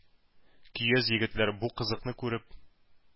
Көяз егетләр, бу кызыкны күреп,